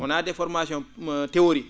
wonaa des formations théories